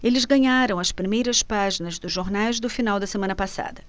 eles ganharam as primeiras páginas dos jornais do final da semana passada